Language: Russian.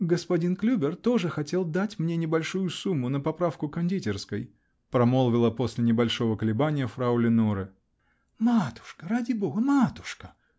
-- Господин Клюбер тоже хотел дать мне небольшую сумму на поправку кондитерской, -- промолвила, после небольшого колебания, фрау Леноре. -- Матушка! ради бога! матушка!